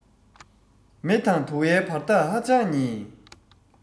མེ དང དུ བའི བར ཐག ཧ ཅང ཉེ